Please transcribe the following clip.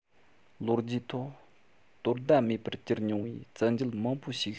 ལོ རྒྱུས ཐོག དོ ཟླ མེད པར གྱུར མྱོང བའི བཙན རྒྱལ མང པོ ཞིག